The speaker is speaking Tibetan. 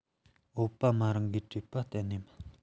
ཨའོ པ མ རང གིས བྲིས པ དང གཏན ནས མིན